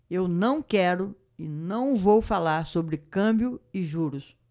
eu não quero e não vou falar sobre câmbio e juros